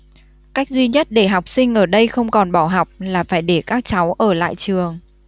cách duy nhất để học sinh ở đây không còn bỏ học là phải để các cháu ở lại trường